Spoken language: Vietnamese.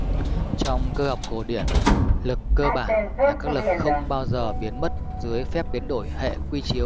trong cơ học cổ điển lực cơ bản là các lực không bao giờ biến mất dưới phép biến đổi hệ quy chiếu